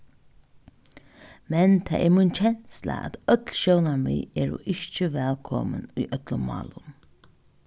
men tað er mín kensla at øll sjónarmið eru ikki vælkomin í øllum málum